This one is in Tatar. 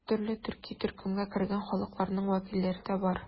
Төрле төрки төркемгә кергән халыкларның вәкилләре дә бар.